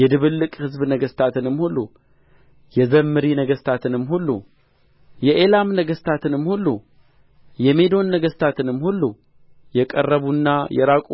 የድብልቅ ሕዝብ ነገሥታትንም ሁሉ የዘምሪ ነገሥታትንም ሁሉ የኤላም ነገሥታትንም ሁሉ የሜዶን ነገሥታትንም ሁሉ የቀረቡና የራቁ